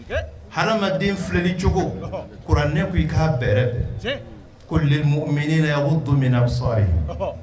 Haden filɛli cogo k ko ne ko i k'a bɛrɛ ko mini o don min sɔn a ye